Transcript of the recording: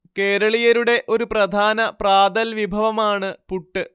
കേരളീയരുടെ ഒരു പ്രധാന പ്രാതൽ വിഭവമാണ് പുട്ട്